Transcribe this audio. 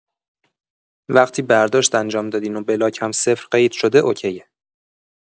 وقتی برداشت انجام دادین و بلاک هم صفر قید شده اوکیه